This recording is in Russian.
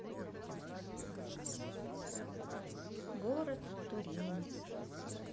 город турин